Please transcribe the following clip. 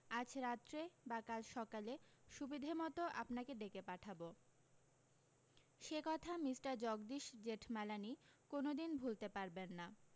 আজ রাত্রে বা কাল সকালে সুবিধেমতো আপনাকে ডেকে পাঠাবো সে কথা মিষ্টার জগদীশ জেঠমালানি কোনোদিন ভুলতে পারবেন না